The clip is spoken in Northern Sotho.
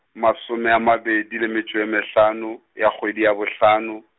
masome a mabedi le metšo e mehlano, ya kgwedi ya bohlano.